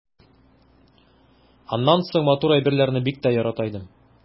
Аннан соң матур әйберләрне дә бик ярата идем.